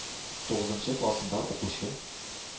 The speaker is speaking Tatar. Тугызынчы классында укучы